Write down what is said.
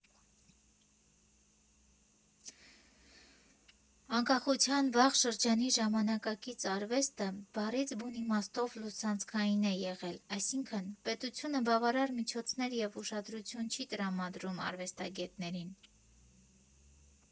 ֊ Անկախության վաղ շրջանի ժամանակակից արվեստը բառից բուն իմաստով լուսանցքային է եղել, այսինքն՝ պետությունը բավարար միջոցներ և ուշադրություն չի տրամադրել արվեստագետներին։